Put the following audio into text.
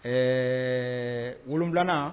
Ɛɛ 7 nan.